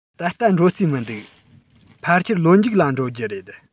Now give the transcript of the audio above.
ད ལྟ འགྲོ རྩིས མི འདུག ཕལ ཆེར ལོ མཇུག ལ འགྲོ རྒྱུ རེད